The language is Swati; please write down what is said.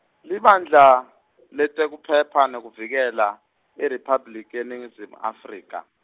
Libandla , Letekuphepha nekuVikela, IRiphabliki yeNingizimu Afrika.